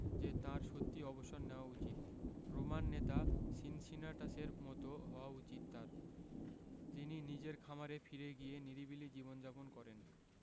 যে তাঁর সত্যিই অবসর নেওয়া উচিত রোমান নেতা সিনসিনাটাসের মতো হওয়া উচিত তাঁর যিনি নিজের খামারে ফিরে গিয়ে নিরিবিলি জীবন যাপন করেন